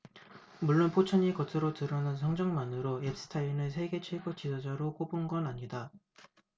일본의 진정한 사과를 받아낼 때까지 진짜 엄마들이 이 자리에 있겠습니다